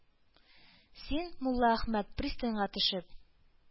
Син, Муллаәхмәт, пристаньга төшеп,